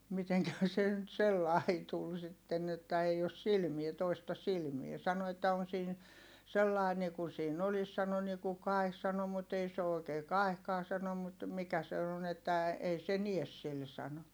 mitenkähän se nyt sellainen tuli sitten että että ei ole silmiä toista silmää sanoi että on siinä sellainen niin kuin siinä olisi sanoi niin kuin kaihi sanoi mutta ei se ole oikein kaihikaan sanoi mutta mikä se on että ei se näe sillä sanoi